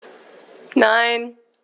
Nein.